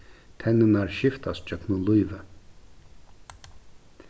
tenninar skiftast gjøgnum lívið